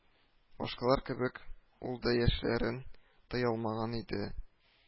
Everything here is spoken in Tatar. Башкалар кебек ул да яшьләрен тыя алмаган иде